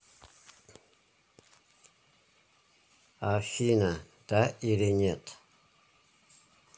афина да или нет